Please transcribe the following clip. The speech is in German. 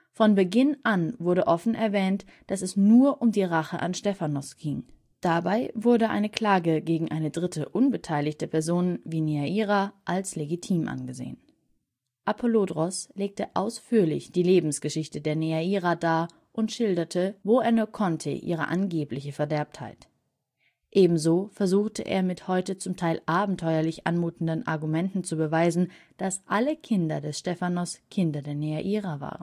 Von Beginn an wurde offen erwähnt, dass es nur um die Rache an Stephanos ging. Dabei wurde eine Klage gegen eine dritte, unbeteiligte Person wie Neaira als legitim angesehen. Apollodoros legte ausführlich die Lebensgeschichte der Neaira dar und schilderte, wo er nur konnte, ihre angebliche Verderbtheit. Ebenso versuchte er mit heute zum Teil abenteuerlich anmutenden Argumenten zu beweisen, dass alle Kinder des Stephanos Kinder der Neaira